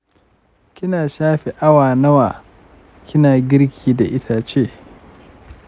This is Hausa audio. kina shafe awa nawa kina girki da itace?